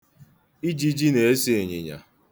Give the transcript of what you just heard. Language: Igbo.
Ijiji na-eso ịnyịnya.